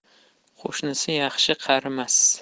qo'shnisi yaxshi qarimas